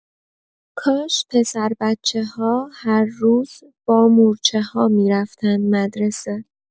کاش پسر بچه‌ها هر روز با مورچه‌ها می‌رفتن مدرسه.